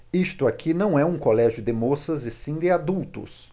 isto aqui não é um colégio de moças e sim de adultos